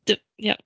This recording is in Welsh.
Ydw, iawn.